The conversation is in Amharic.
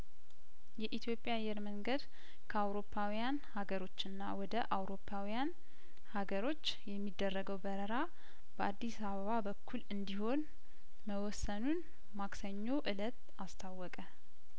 የኢትዮጵያ አየር መንገድ ከአውሮፓውያን ሀገሮችና ወደ አውሮፓውያን ሀገሮች የሚደረገው በረራ በአዲስ አበባ በኩል እንዲሆን መወሰኑን ማክሰኞ እለት አስታወቀ